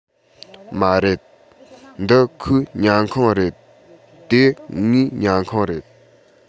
མ རེད འདི ཁོའི ཉལ ཁང རེད དེ ངའི ཉལ ཁང རེད